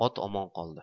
ot omon qoldi